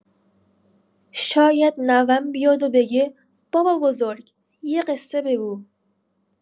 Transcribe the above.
شاید نوه‌م بیاد و بگه: بابابزرگ، یه قصه بگو.